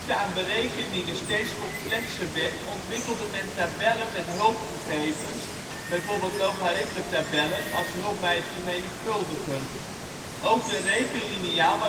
aan berekeningen steeds complexer werd ontwikkelde men tabellen met hulpgegevens (bijvoorbeeld logaritmetabellen als hulp bij het vermenigvuldigen). Ook de rekenliniaal